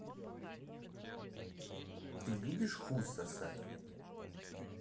ты любишь хуй сосать